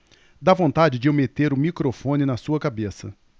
dá vontade de eu meter o microfone na sua cabeça